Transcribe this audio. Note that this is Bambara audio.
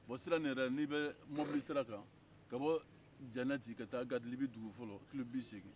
bon sira nin yɛrɛ ni bɛ mobili sira kan ka bɔ janɛti ka taa libi dugufɔlɔ kilo biseegin